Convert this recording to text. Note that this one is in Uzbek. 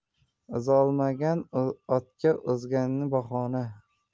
o'zolmagan otga uzangi bahona